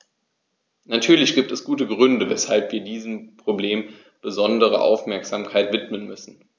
Natürlich gibt es gute Gründe, weshalb wir diesem Problem besondere Aufmerksamkeit widmen müssen.